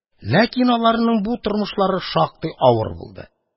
Ләкин аларның тормышлары шактый авыр булды.